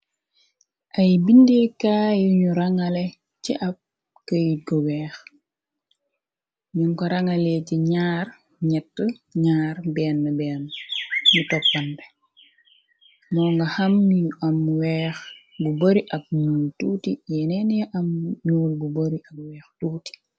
Ay bindikaayu ñu rangale ci ab këyit ku weex, ñuñ ko rangalee ci 2, 3, i, 11 mu toppambe, moo nga xam ñu am weex bu bari, ak mun tuuti yeneeny, am ñuul bu bari ak weex tuuti.